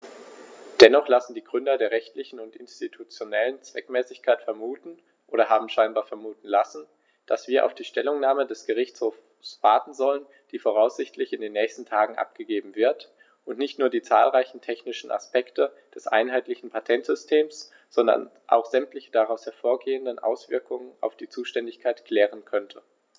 Dennoch lassen die Gründe der rechtlichen und institutionellen Zweckmäßigkeit vermuten, oder haben scheinbar vermuten lassen, dass wir auf die Stellungnahme des Gerichtshofs warten sollten, die voraussichtlich in den nächsten Tagen abgegeben wird und nicht nur die zahlreichen technischen Aspekte des einheitlichen Patentsystems, sondern auch sämtliche daraus hervorgehenden Auswirkungen auf die Zuständigkeit klären könnte.